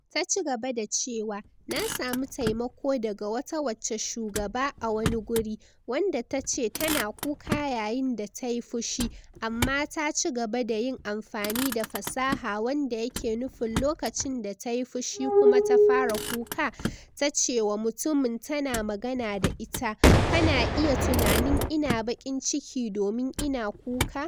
Ta ci gaba da cewa, "Na samu taimako daga wata wacce shugaba a wani guri, wanda ta ce tana kuka yayin da ta yi fushi, amma ta ci gaba da yin amfani da fasaha wanda yake nufin lokacin da ta yi fushi kuma ta fara kuka, ta ce wa mutumin tana magana da ita, "Kana iya tunanin ina bakin ciki domin ina kuka.